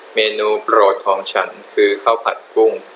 เมนูโปรดของฉันคือข้าวผัดกุ้ง